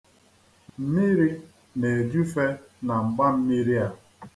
Mmiri na-ejufe na mgbammiri a.